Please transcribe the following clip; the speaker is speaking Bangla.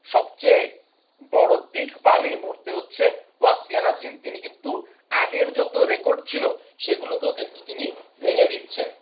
সবচেয়ে বড় দিকপাল এই মুহূর্তে হচ্ছে ওয়াসফিয়া নাজরীন তিনি কিন্তু আগে যত রেকর্ড ছিল সেগুলো কেউ কিন্তু তিনি ভেঙে দিচ্ছেন